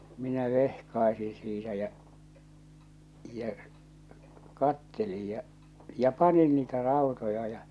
minä vehkaisin siitä ja ja katselin ja ja panin niitä rautoja ja